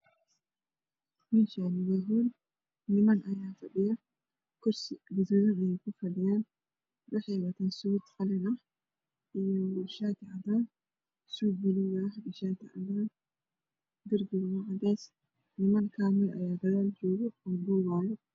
Meeshan waa hool Niman ayaa fadhiya